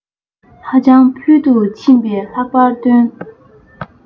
ཧ ཅང ཕུལ དུ ཕྱིན པས ལྷག པར སྟོན